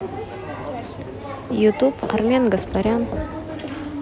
ютуб армен гаспарян